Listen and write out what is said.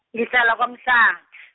ngihlala kwaMhlan- .